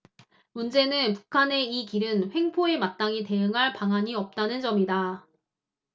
문제는 북한의 이 같은 횡포에 마땅히 대응할 방안이 없다는 점이다